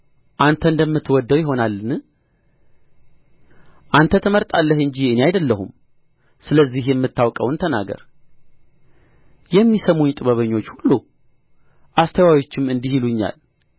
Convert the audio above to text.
አንተ እንደምትወድደው ይሆናልን አንተ ትመርጣለህ እንጂ እኔ አይደለሁም ስለዚህ የምታውቀውን ተናገር የሚሰሙኝ ጥበበኞች ሁሉ አስተዋዮችም እንዲህ ይሉኛል